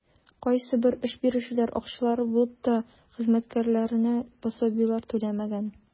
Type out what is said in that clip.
Кайсыбер эш бирүчеләр, акчалары булып та, хезмәткәрләренә пособиеләр түләмәгән.